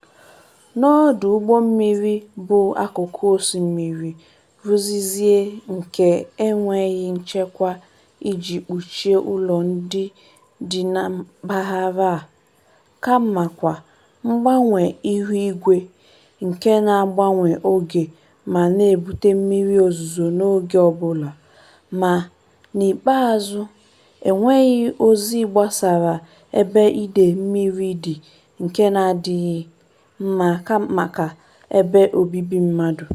N'ọdụ ụgbọmmiri bụ akụkụ osimiri Rusizi nke n'enweghị nchekwa iji kpuchie ụlọ ndị dị na mpaghara a; kamakwa mgbanwe ihuigwe, nke na-agbanwe oge ma na-ebute mmiri ozuzo n'oge ọbụla; ma, n'ikpeazụ, enweghị ozi gbasara ebe ide mmiri dị nke n'adịghị mma maka ebe obibi mmadụ.